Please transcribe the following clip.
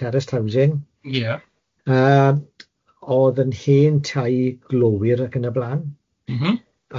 terraced housing ie yy oedd yn hen tai glowyr ac yn y blaen... Mm-hm ie.